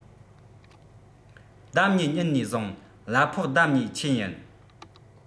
ལྡབ གཉིས ཉིན ནས བཟུང གླ ཕོགས ལྡབ གཉིས ཆེད ཡིན